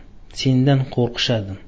sendan qo'rqishadi